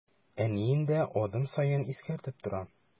Әнием дә адым саен искәртеп тора.